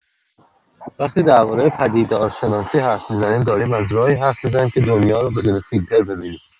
وقتی درباره پدیدارشناسی حرف می‌زنیم، داریم از راهی حرف می‌زنیم که دنیا رو بدون فیلتر ببینیم.